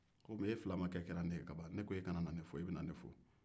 komi e filamakɛ kɛra ne ye kaban ne ko e kana na ne fo e bɛ na ne fo